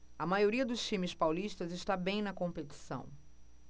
a maioria dos times paulistas está bem na competição